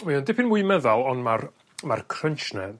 Mae o dipyn mwy meddal ond ma'r ma'r crunch 'ne